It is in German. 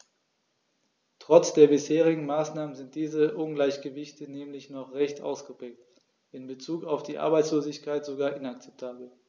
Trotz der bisherigen Maßnahmen sind diese Ungleichgewichte nämlich noch recht ausgeprägt, in bezug auf die Arbeitslosigkeit sogar inakzeptabel.